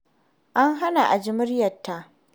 An hana a ji muryata.